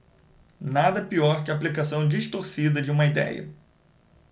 nada pior que a aplicação distorcida de uma idéia